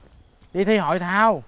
đi thi hội thao